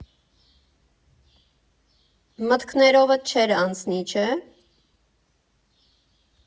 Մտքներովդ չէր անցնի, չէ՞։